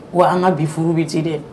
Wa an ka bi furubi ci dɛ